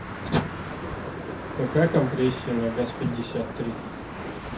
какая компрессия на газ пятьдесят три